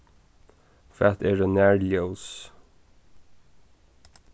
hvat eru nærljós